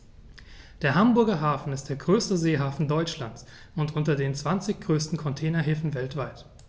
Der Hamburger Hafen ist der größte Seehafen Deutschlands und unter den zwanzig größten Containerhäfen weltweit.